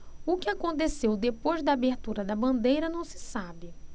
o que aconteceu depois da abertura da bandeira não se sabe